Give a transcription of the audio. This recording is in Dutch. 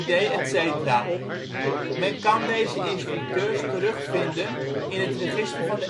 AED, etc. U kunt deze instructeurs terug vinden in het register van